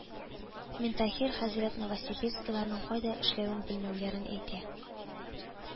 Миңтаһир хәзрәт новосибирскиларның кайда эшләвен белмәүләрен әйтә